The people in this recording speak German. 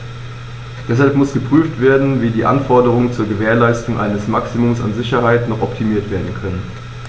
Deshalb muss geprüft werden, wie die Anforderungen zur Gewährleistung eines Maximums an Sicherheit noch optimiert werden können.